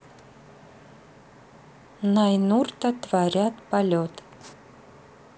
ninurta творят полет